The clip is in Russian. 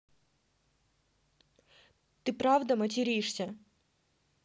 ты правда материшься